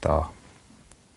Do.